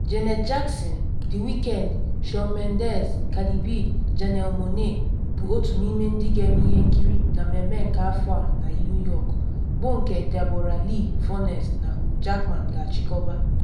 Janet Jackson, The Weeknd, Shawn Mendes, Cardi B, Janelle Monáe bụ otu n’ime ndị ga-eme ihe nkiri na mmemme nke afọ a na New York, bụ nke Deborra-Lee Furness na Hugh Jackman ga-achịkọba.